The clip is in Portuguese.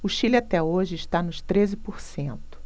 o chile até hoje está nos treze por cento